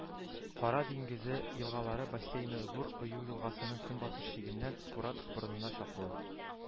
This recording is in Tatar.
Кара диңгезе елгалары бассейны Зур Ою елгасының көнбатыш чигеннән Скуратов борынына чаклы